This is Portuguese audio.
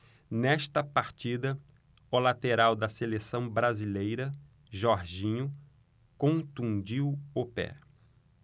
nesta partida o lateral da seleção brasileira jorginho contundiu o pé